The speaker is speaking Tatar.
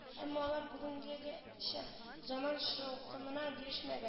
Әмма алар бүгенгегәчә заман шаукымына бирешмәгән